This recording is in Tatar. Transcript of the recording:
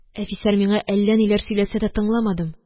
Әфисәр миңа әллә ниләр сөйләсә дә тыңламадым.